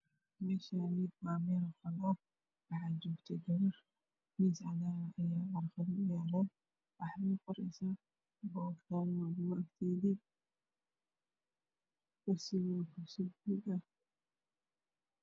Meeshaani waa meel banaan waxaa jooga gabar waxa ayey qoraysaa kursi waa madow